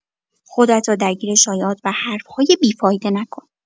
خودت را درگیر شایعات و حرف‌های بی‌فایده نکن.